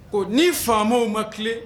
Ko ni faamaw ma tilen